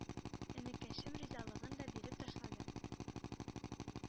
Энекәшем ризалыгын да биреп ташлады.